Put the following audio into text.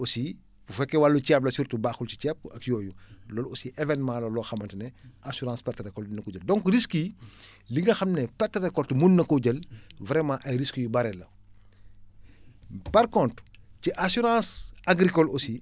aussi bu fekkee wàllu ceeb la surtout baaxul ci ceeb ak yooyu loolu aussi événement la loo xamante ne assurance perte récolte dina ko jël donc risques yi li nga xam ne perte récolte mun na koo jël vraiment ay risques yu bari la par contre ci assurance agricole aussi